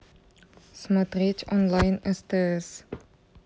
смотреть онлайн стс